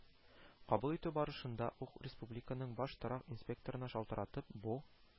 Кабул итү барышында ук республиканың баш торак инспекторына шалтыратып, бу